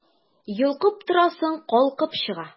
Йолкып торасың, калкып чыга...